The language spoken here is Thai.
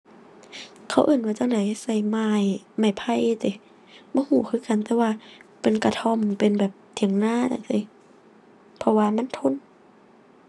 เขาเอิ้นว่าจั่งใด ใช้ไม้ ไม้ไผ่ติ บ่ใช้คือกัน แต่ว่าเป็นกระท่อม เป็นแบบเถียงนาจั่งซี้ เพราะว่ามันทน